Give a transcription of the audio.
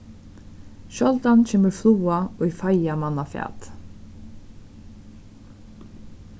sjáldan kemur fluga í feiga manna fat